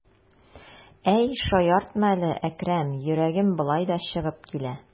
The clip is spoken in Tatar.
Әй, шаяртма әле, Әкрәм, йөрәгем болай да чыгып килә.